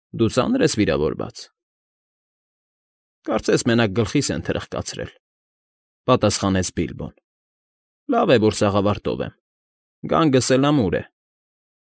Դու ծա՞նր ես վիրավորված։ ֊ Կարծես մենակ գլխիս են թրխկացրել,֊ պատասխանեց Բիլբոն։֊ Լավ է, որ սաղավարտով եմ, գանգս էլ ամուր է։